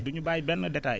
du ñu bàyyi benn détail